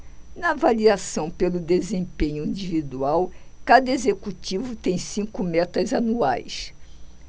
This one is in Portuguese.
na avaliação pelo desempenho individual cada executivo tem cinco metas anuais